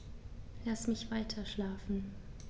Lass mich weiterschlafen.